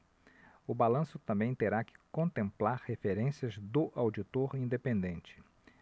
o balanço também terá que contemplar referências do auditor independente